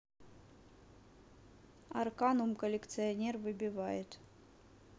arcanum коллекционер выбивает